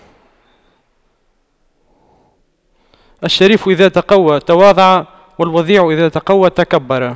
الشريف إذا تَقَوَّى تواضع والوضيع إذا تَقَوَّى تكبر